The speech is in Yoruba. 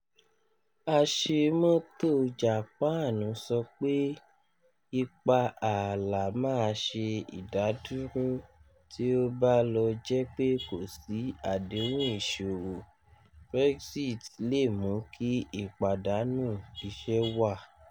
Aṣemọ́tò Jàpáàanù sọ pé ipa ààlà máa ṣe ìdádúró tí ó bá lọ jẹ́ pé kò sí àd’hpùn ìṣòwò Brexit lẹ́ mú kí ìpàdánù iṣẹ́ wà.